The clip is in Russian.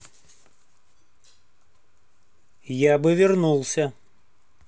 я бы вернулся